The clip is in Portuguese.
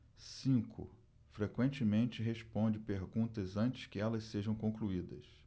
cinco frequentemente responde perguntas antes que elas sejam concluídas